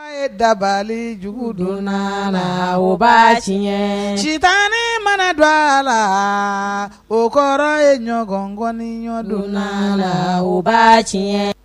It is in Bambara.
Mɔgɔ ye dabalijugu donna laba tiɲɛ sitaani mana don a la o kɔrɔ ye ɲɔgɔnkɔni ɲɔgɔndon laba tiɲɛ